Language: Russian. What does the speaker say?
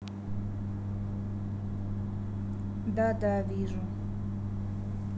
да да вижу